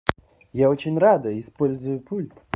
я очень рада используй пульт